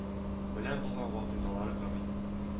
Белән булган вакыйгаларны габит